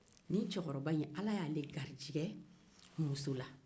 nin cɛkɔrɔba in ala y'a le garijɛgɛ muso la